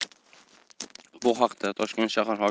bu haqda toshkent shahar